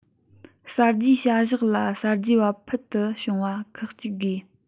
གསར བརྗེའི བྱ གཞག ལ གསར བརྗེ པ ཕུལ དུ བྱུང བ ཁག གཅིག དགོས